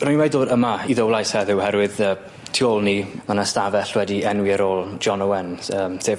dod yma i Ddowlais heddiw oherwydd yy tu ôl ni ma' 'na stafell wedi enwi ar ôl John Owens yym sef...